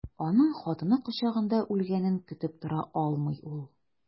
Аның хатыны кочагында үлгәнен көтеп тора алмый ул.